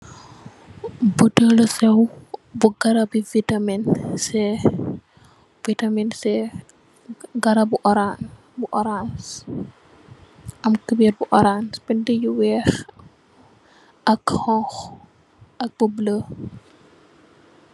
Butehli seww bu garabi vitamin seh, vitamin seh garab ohrance bu ohrance, am couberre bu ohrance, bindue yu wekh ak honhu ak bleu.